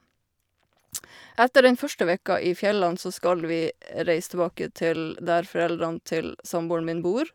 Etter den første vekka i fjella så skal vi reise tilbake til der foreldrene til samboeren min bor.